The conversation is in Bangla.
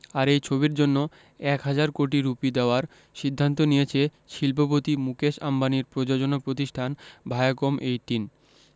আর এই ছবির জন্য এক হাজার কোটি রুপি দেওয়ার সিদ্ধান্ত নিয়েছে শিল্পপতি মুকেশ আম্বানির প্রযোজনা প্রতিষ্ঠান ভায়াকম এইটিন